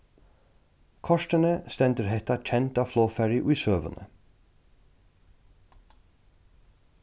kortini stendur hetta kenda flogfarið í søguni